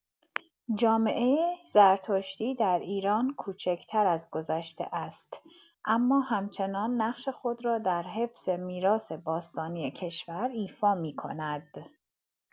جامعه زرتشتی در ایران کوچک‌تر از گذشته است، اما همچنان نقش خود را در حفظ میراث باستانی کشور ایفا می‌کند.